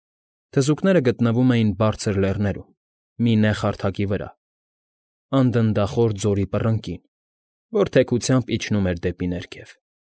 Թզուկները գտնվում էին բարձր լեռներում, մի նեղ հարթակի վրա, անդնդախոր ձորի պռնկին, որ թեքությամբ իջնում էր դեպի ներքև։